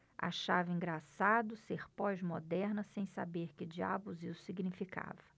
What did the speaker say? achava engraçado ser pós-moderna sem saber que diabos isso significava